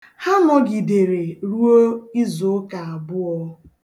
Ha nogidere ruo izuụka abụọ.